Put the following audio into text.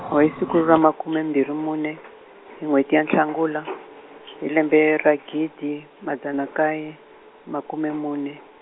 o hi siku ra makume mbirhi mune, hi n'wheti ya Nhlangula, hi lembe ra gidi, madzana nkaye, makume mune.